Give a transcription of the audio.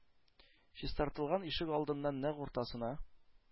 Чистартылган ишек алдының нәкъ уртасына,